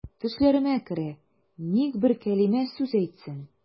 Төшләремә керә, ник бер кәлимә сүз әйтсен.